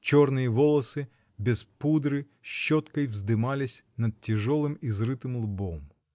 черные волосы без пудры щеткой вздымались над тяжелым, изрытым лбом.